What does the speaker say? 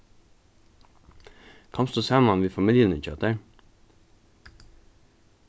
komst tú saman við familjuni hjá tær